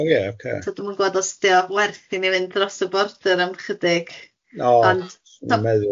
So dwi'm yn gwbo os ydi o werth i ni fynd dros y border am ychydig ond... O dwi'n meddwl.